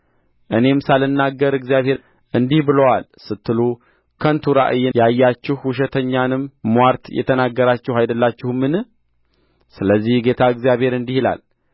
እኔም ሳልናገር እግዚአብሔር እንዲህ ብሎአል ስትሉ ከንቱ ራእይን ያያችሁ ውሸተኛንም ምዋርት የተናገራችሁ አይደላችሁምን ስለዚህ ጌታ እግዚአብሔር እንዲህ ይላል